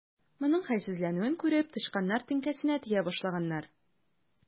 Моның хәлсезләнүен күреп, тычканнар теңкәсенә тия башлаганнар.